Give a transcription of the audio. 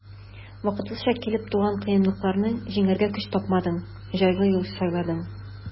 Вакытлыча килеп туган кыенлыкларны җиңәргә көч тапмадың, җайлы юл сайладың.